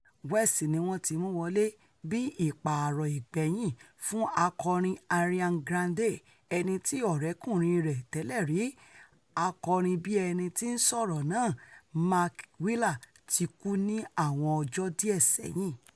West ni wọ́n ti mú wọlé bí ìpààrọ̀ ìgbẹ̀yìn fún akọrin Arian Grande, ẹnití ọ̀rẹ́kùnrin rẹ̀ tẹ́lẹ̀rí, akọrinbíẹ̵nití-ńsọ̀rọ̀ náà Mac Miller ti kú ní àwọn ọjọ́ díẹ̀ sẹ́yìn.